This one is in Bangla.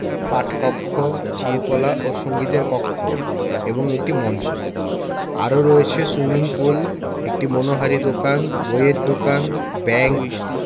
পাঠকক্ষ চারুকলা ও সঙ্গীতের কক্ষ এবং একটি মঞ্চ আরও রয়েছে সুইমিং পুল একটি মনোহারী দোকান বইয়ের দোকান ব্যাংক